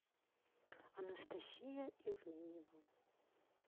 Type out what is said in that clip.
анастасия ивлеева